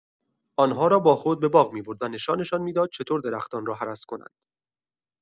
آن‌ها را با خود به باغ می‌برد و نشانشان می‌داد چطور درختان را هرس کنند.